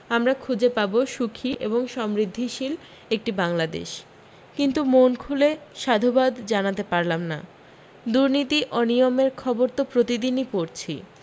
আমরা খুঁজে পাবো সুখী এবং সমৃদ্ধিশীল একটি বাংলাদেশ কিন্তু মন খুলে সাধুবাদ জানাতে পারলাম না দুর্নীতি অনিয়মের খবর তো প্রতিদিনি পড়ছি